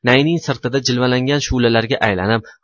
nayning sirtida jilvalangan shu'lalarga aylanib